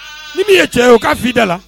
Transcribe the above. Ni min ye cɛ ye o ka fi da la.